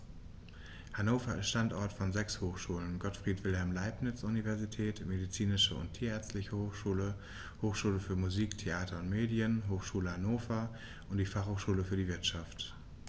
Hannover ist Standort von sechs Hochschulen: Gottfried Wilhelm Leibniz Universität, Medizinische und Tierärztliche Hochschule, Hochschule für Musik, Theater und Medien, Hochschule Hannover und die Fachhochschule für die Wirtschaft.